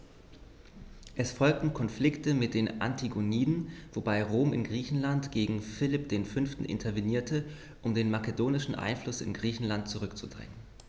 Es folgten Konflikte mit den Antigoniden, wobei Rom in Griechenland gegen Philipp V. intervenierte, um den makedonischen Einfluss in Griechenland zurückzudrängen.